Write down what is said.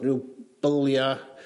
...ryw bylia